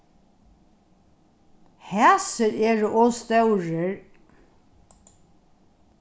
hasir eru ov stórir